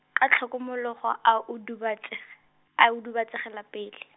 ka tlhokomologo a udubatseg-, a udubatsegela pele.